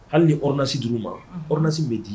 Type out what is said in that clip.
Hali ni ordonnance di la u ma. Ordonnance in bɛ di